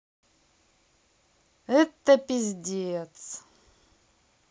это пиздец